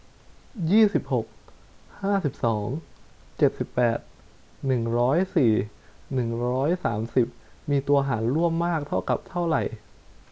ยี่สิบหกห้าสิบสองเจ็ดสิบแปดหนึ่งร้อยสี่หนึ่งร้อยสามสิบมีตัวหารร่วมมากเท่ากับเท่าไหร่